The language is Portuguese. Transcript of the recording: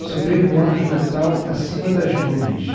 sobrevoamos natal acima das nuvens